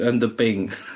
Yn dy Bing .